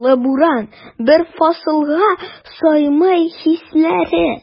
Карлы буран, бер фасылга сыймый хисләре.